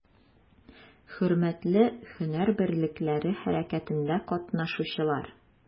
Хөрмәтле һөнәр берлекләре хәрәкәтендә катнашучылар!